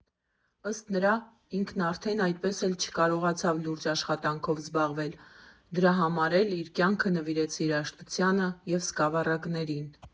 Ըստ նրա՝ ինքն այդպես էլ չցանկացավ լուրջ աշխատանքով զբաղվել, դրա համար էլ իր կյանքը նվիրեց երաժշտությանը և սկավառակներին։